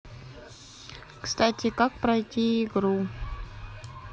кстати как пройти игру